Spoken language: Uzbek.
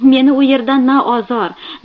meni u yerdan na ozor